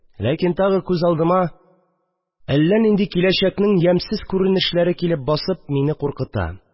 Ләкин тагы күз алдыма әллә нинди киләчәкнең ямьсез күренешләре килеп басып, мине куркыта